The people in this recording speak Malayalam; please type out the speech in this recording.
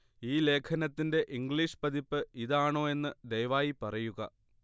ഈ ലേഖനത്തിന്റെ ഇംഗ്ലീഷ് പതിപ്പ് ഇത് ആണോ എന്ന് ദയവായി പറയുക